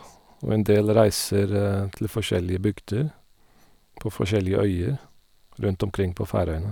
Og en del reiser til forskjellige bygder på forskjellige øyer rundt omkring på Færøyene.